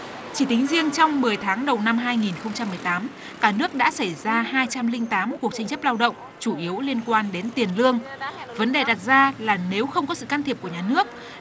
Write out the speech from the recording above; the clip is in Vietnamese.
chỉ tính riêng trong mười tháng đầu năm hai nghìn không trăm mười tám cả nước đã xảy ra hai trăm linh tám cuộc tranh chấp lao động chủ yếu liên quan đến tiền lương vấn đề đặt ra là nếu không có sự can thiệp của nhà nước